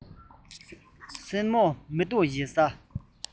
སྲས མོ མེ ཏོག བཞད ས